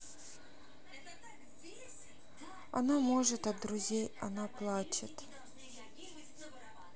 она может от друзей она плачет